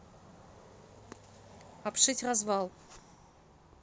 обшить развал